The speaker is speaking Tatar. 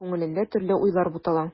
Күңелендә төрле уйлар бутала.